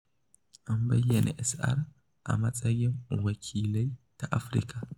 An bayyana SR a matsayin Wikileaks ta Afirka.